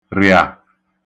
rị̀à